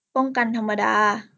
ป้องกันธรรมดา